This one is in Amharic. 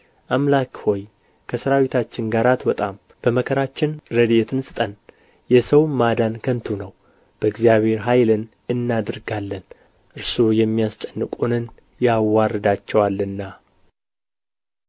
አምላክ ሆይ ከሠራዊታችን ጋር አትወጣም በመከራችን ረድኤትን ስጠን የሰውም ማዳን ከንቱ ነው በእግዚአብሔር ኃይልን እናደርጋለን እርሱ የሚያስጨንቁንን ያዋርዳቸዋልና